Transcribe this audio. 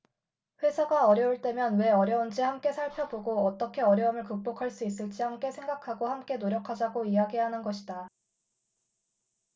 회사가 어려울 때면 왜 어려운지 함께 살펴보고 어떻게 어려움을 극복할 수 있을지 함께 생각하고 함께 노력하자고 이야기하는 것이다